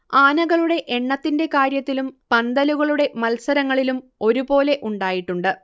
ആനകളുടെ എണ്ണത്തിന്റെ കാര്യത്തിലും പന്തലുകളുടെ മത്സരങ്ങളിലും ഒരു പോലെ ഉണ്ടായിട്ടുണ്ട്